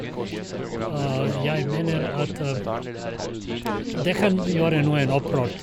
Jeg mener at det kan gjøre noen opprørt.